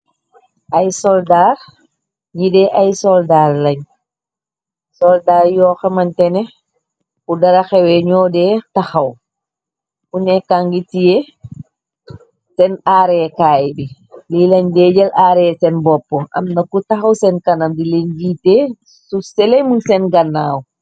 Ay soldaar ñide ay soldarrlañ soldaar yoo xamañtene bu dara xewe ñoo dee taxaw ku nekka ngi tiye sen aarekaay bi li lañ deejël are sen boppu am na ku taxaw sen kanam di li njiite suuf selay mug sen gànnaaw.